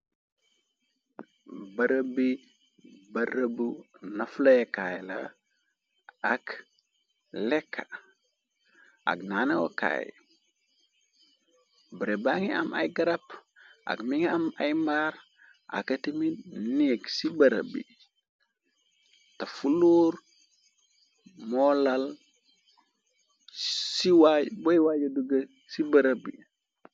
Barab bi barëb nafloekaay la ak lekka ak naané okaay barab ba ngi am ay garap ak mi nga am ay mbaar akatimi néeg ci barab bi té fuloor moolalboy wayye duge ci barab bi.